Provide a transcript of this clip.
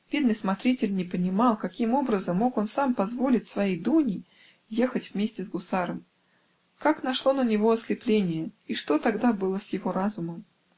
Бедный смотритель не понимал, каким образом мог он сам позволить своей Дуне ехать вместе с гусаром, как нашло на него ослепление, и что тогда было с его разумом.